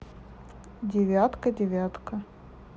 девятка девятка